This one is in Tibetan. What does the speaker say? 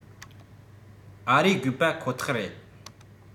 ཨ རིའི དགོས པ ཁོ ཐག རེད